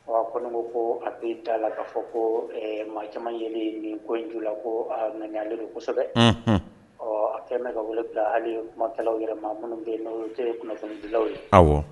Ko ko ko a bɛ da la'a fɔ ko mɔgɔ caman yelen nin ko in' la ko nan don kosɛbɛ ɔ a kɛlen ne ka wele bila ale ye kumatalaw yɛrɛ ma minnu bɛ teri ye kuma bilalaw ye